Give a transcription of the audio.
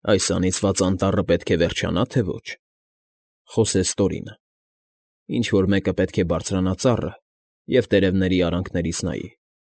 Այս անիծված անտառը պետք է վերջանա՞, թե ոչ,֊ խոսեց Տորինը։֊ Ինչ֊որ մեկը պետք է բարձրանա ծառը և տերևների արանքից նայի։